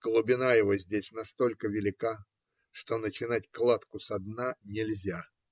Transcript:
Глубина его здесь настолько велика, что начинать кладку со дна нельзя